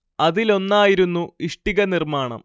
അതിലൊന്നായിരുന്നു ഇഷ്ടിക നിർമ്മാണം